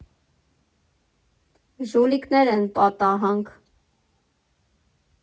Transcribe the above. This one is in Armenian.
Ժուլիկներըն պա տահանք։